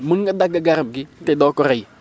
mën nga dagg garab gi te doo ko rey